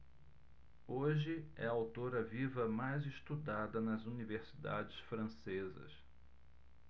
hoje é a autora viva mais estudada nas universidades francesas